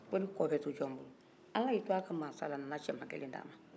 ko ne kɔ bɛ to jɔn bolo ala y'i t'a ka masaya la ka cɛma kelen d'a ma